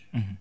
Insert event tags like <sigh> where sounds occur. <hesitation> <hesitation>